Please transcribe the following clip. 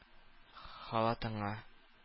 Халатыңа